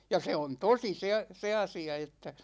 ja se on tosi se - se asia että